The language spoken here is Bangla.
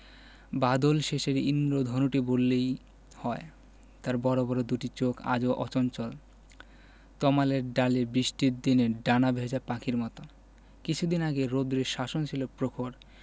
বাদলশেষের ঈন্দ্রধনুটি বললেই হয় তার বড় বড় দুটি চোখ আজ অচঞ্চল তমালের ডালে বৃষ্টির দিনে ডানা ভেজা পাখির মত কিছুদিন আগে রৌদ্রের শাসন ছিল প্রখর